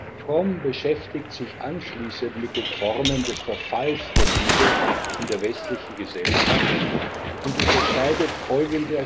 Fromm beschäftigt sich anschließend mit den Formen des Verfalls der Liebe in der westlichen Gesellschaft und unterscheidet folgende